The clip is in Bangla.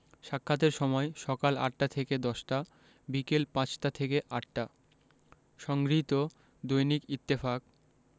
সাক্ষাতের সময় সকাল ৮টা থেকে ১০টা বিকাল ৫টা থেকে ৮ টা সংগৃহীত দৈনিক ইত্তেফাক